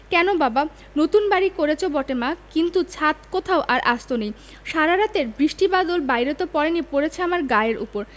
কেন বাবা নতুন বাড়ি করেচ বটে মা কিন্তু ছাত কোথাও আর আস্ত নেই সারা রাতের বৃষ্টি বাদল বাইরে ত পড়েনি পড়েচে আমার গায়ের উপর